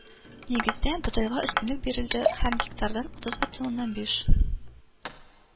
Нигездә, бодайга өстенлек бирелде һәм гектардан утыз бөтен уннан биш